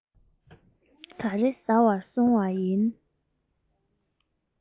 ག རེ ཟ བར སོང བ ཡིན